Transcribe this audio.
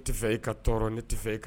Ne tɛ e ka tɔɔrɔ ne tɛ e